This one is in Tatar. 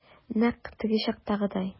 Нәкъ теге чактагыдай.